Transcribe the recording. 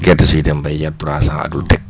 gerte suy dem bay jar trois cent ak lu teg